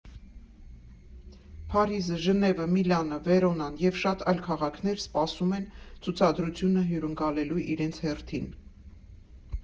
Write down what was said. Փարիզը, Ժնևը, Միլանը, Վերոնան և շատ այլ քաղաքներ սպասում են՝ ցուցադրությունը հյուրընկալելու իրենց հերթին։